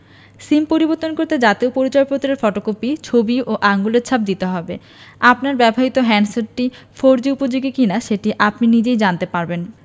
সিম পরিবর্তন করতে জাতীয় পরিচয়পত্রের ফটোকপি ছবি ও আঙুলের ছাপ দিতে হবে আপনার ব্যবহৃত হ্যান্ডসেটটি ফোরজি উপযোগী কিনা সেটি আপনি নিজেই জানতে পারবেন